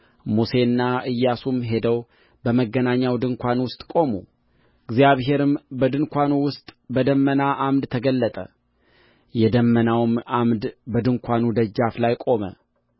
ሙሴና ኢያሱም ሄደው በመገናኛው ድንኳን ውስጥ ቆሙ እግዚአብሔርም በድንኳኑ ውስጥ በደመና ዓምድ ተገለጠ የደመናውም ዓምድ በድንኳኑ ደጃፍ ላይ ቆመ